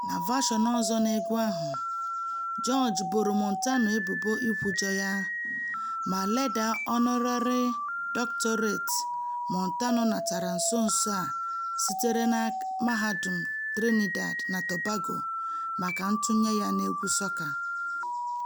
Na vashọn ọzọ n'egwu ahụ, George boro Montano ebubo "Ikwujọ" ya, ma ledaa ọnọrarị dọkụtọreti Montano natara nso nso a sitere na Mahadum Trinidad na Tobago maka ntụnye ya n'egwu sọka.